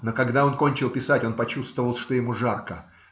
Но когда он кончил писать, он почувствовал, что ему жарко